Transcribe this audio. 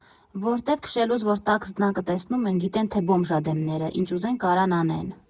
Որտև քշելուց որ տաքս զնակը տեսնում են, գիտեն թե բոմժ ա դեմները, ինչ ուզեն կարան անեն։